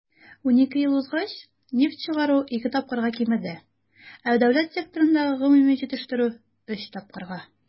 12 ел узгач нефть чыгару ике тапкырга кимеде, ә дәүләт секторындагы гомуми җитештерү - өч тапкырга.